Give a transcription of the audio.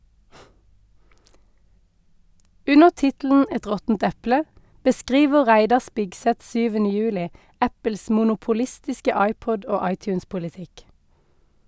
Under tittelen "Et råttent eple" beskriver Reidar Spigseth 7. juli Apples monopolistiske iPod- og iTunes-politikk.